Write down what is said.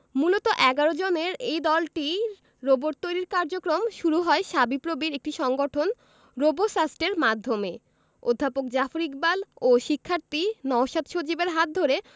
মূলত ১১ জনের এই দলটি রোবট তৈরির কার্যক্রম শুরু হয় শাবিপ্রবির একটি সংগঠন রোবোসাস্টের মাধ্যমে অধ্যাপক জাফর ইকবাল ও শিক্ষার্থী নওশাদ সজীবের হাত ধরে